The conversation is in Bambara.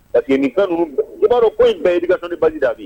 parce que nin fɛ ninnu bɛɛ i b'a don nin bɛ ye éducation de base de ye was, Abi!